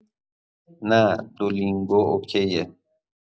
نه دولینگو اوکیه